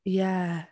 Ie.